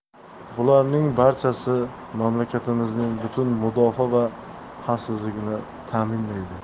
bularning barchasi mamlakatimizning butun mudofaa va xavfsizlikni ta'minlaydi